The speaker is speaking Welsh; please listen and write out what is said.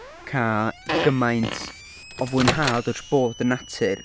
Cael gymaint, o fwynhad wrth bod yn natur.